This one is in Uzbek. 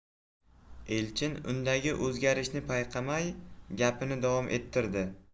elchin undagi o'zgarishni payqamay gapini davom ettirdi